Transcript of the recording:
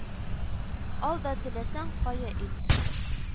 Ал да теләсәң кая илт